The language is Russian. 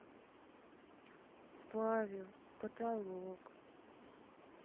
павел потолок